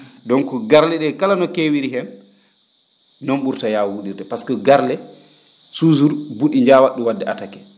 donc que garle ?ee kala no keewiri heen noon ?urta yaaw wu?irrde par ce que garle soujour bu?i njaawat ?um wa?de attaqué